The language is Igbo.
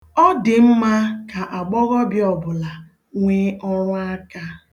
Ọ dị mma ka agbọghọbịa ọbụla nwee ọrụaka.